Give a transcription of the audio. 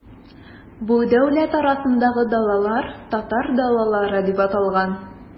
Бу дәүләт арасындагы далалар, татар далалары дип аталган.